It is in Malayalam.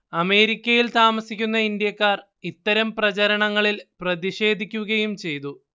അമേരിക്കയിൽ താമസിക്കുന്ന ഇന്ത്യക്കാർ ഇത്തരം പ്രചരണങ്ങളിൽ പ്രതിഷേധിക്കുകയും ചെയ്തു